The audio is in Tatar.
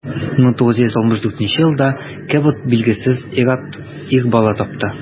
1964 елда кэбот билгесез ир-аттан ир бала тапты.